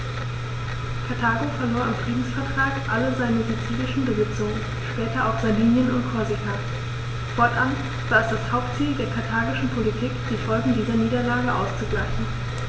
Karthago verlor im Friedensvertrag alle seine sizilischen Besitzungen (später auch Sardinien und Korsika); fortan war es das Hauptziel der karthagischen Politik, die Folgen dieser Niederlage auszugleichen.